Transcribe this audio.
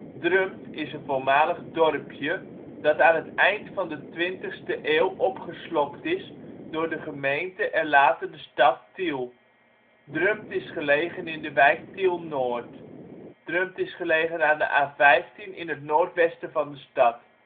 Drumpt is een voormalig dorpje, dat aan het eind van de 20e eeuw opgeslokt is door de gemeente en later de stad Tiel. Drumpt is gelegen in de wijk Tiel-Noord. Drumpt is gelegen aan de A15 in het noordwesten van de stad. Het